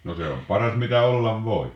no se on paras mitä olla voi